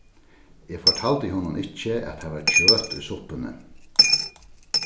eg fortaldi honum ikki at har var kjøt í suppuni